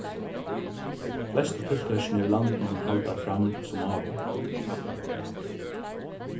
flestu tiltøkini í landinum halda fram sum áður